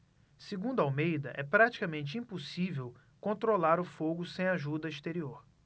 segundo almeida é praticamente impossível controlar o fogo sem ajuda exterior